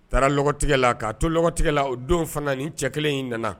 Taaratigɛ la k'a totigɛ la o don fana ni cɛ kelen in nana